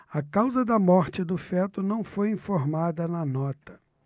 a causa da morte do feto não foi informada na nota